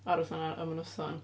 aros yna am y noson.